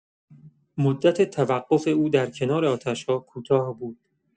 مدت توقف او در کنار آتش‌ها کوتاه بود.